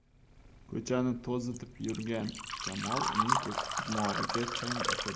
ko'chani tuzitib yurgan shamol uning dimog'iga chang ufurdi